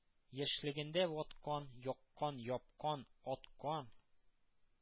Яшьлегендә ваткан, яккан, япкан, аткан,